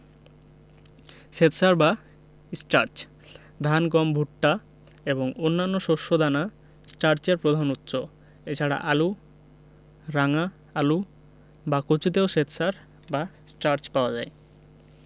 শ্বেতসার বা স্টার্চ ধান গম ভুট্টা এবং অন্যান্য শস্য দানা স্টার্চের প্রধান উৎস এছাড়া আলু রাঙা আলু বা কচুতেও শ্বেতসার বা স্টার্চ পাওয়া যায়